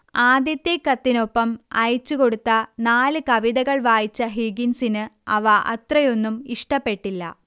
ആദ്യത്തെ കത്തിനൊപ്പം അയച്ചുകൊടുത്ത നാല് കവിതകൾ വായിച്ച ഹിഗിൻസിന് അവ അത്രയൊന്നും ഇഷ്ടപ്പെട്ടില്ല